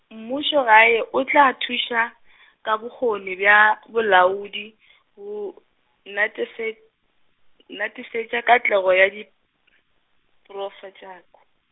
mmušogae o tla a thuša , ka bokgoni bja bolaodi, go netefe-, netefatša katlego ya di, -profejaku.